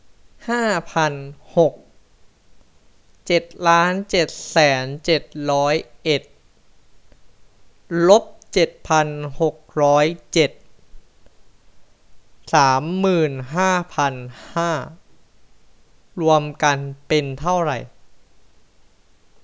ห้าพันหกเจ็ดล้านเจ็ดแสนเจ็ดร้อยเอ็ดลบเจ็ดพันหกร้อยเจ็ดสามหมื่นห้าพันห้ารวมกันเป็นเท่าไหร่